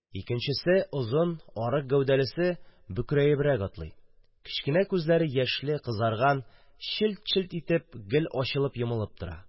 Икенчесе – озын, арык гәүдәлесе – бөкрәебрәк атлый; кечкенә күзләре яшьле, кызарган, челт-челт итеп гел ачылып-йомылып тора